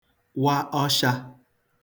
wa ọshà